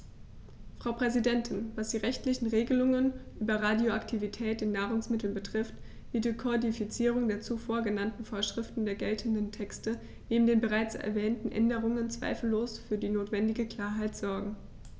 Frau Präsidentin, was die rechtlichen Regelungen über Radioaktivität in Nahrungsmitteln betrifft, wird die Kodifizierung der zuvor genannten Vorschriften der geltenden Texte neben den bereits erwähnten Änderungen zweifellos für die notwendige Klarheit sorgen.